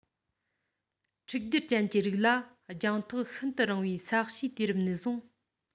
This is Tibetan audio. མཁྲིག སྡེར ཅན གྱི རིགས ལ རྒྱང ཐག ཤིན ཏུ རིང བའི ས གཤིས དུས རབས ནས བཟུང